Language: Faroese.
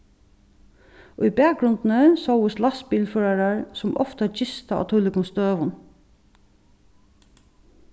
í bakgrundini sóust lastbilførarar sum ofta gista á tílíkum støðum